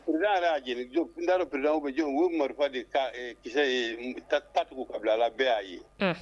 Y'a'a' bɛj marifa de ki ye ta tugu kabilala bɛɛ y'a ye